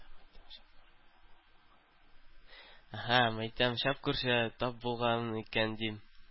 Әһә, мәйтәм, шәп күршегә тап булганмын икән, дим.